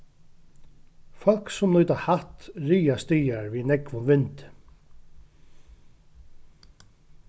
fólk sum nýta hatt ræðast dagar við nógvum vindi